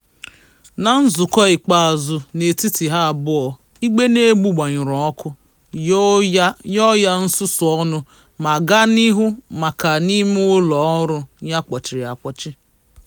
Na nzukọ ikpeazụ n'etiti ha abụọ, Igbenegbu gbanyụrụ ọkụ, yọọ ya nsusu ọnụ ma gaa n'ihu ịmakụ ya n'ime ụlọ ọrụ ya kpọchiri akpọchi.